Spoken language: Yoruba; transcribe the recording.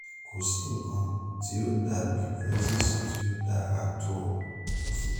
Kòsí nǹkan tí ó dàbí Brexit tí ó dára tó o,’o fi kun.